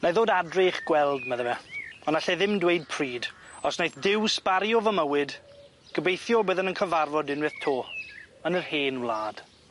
'Nai ddod adre i'ch gweld, medda fe, ond allai ddim dweud pryd, os naeth Duw sbario fy mywyd, gobeithio byddwn yn cyfarfod unweth to, yn yr hen wlad.